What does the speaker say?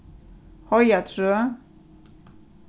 heiðatrøð